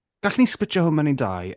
Gallwn ni sblitio hwn mewn i dau?